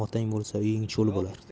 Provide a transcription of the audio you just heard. otang o'lsa uying cho'l bo'lar